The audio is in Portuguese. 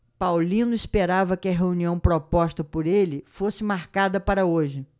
paulino esperava que a reunião proposta por ele fosse marcada para hoje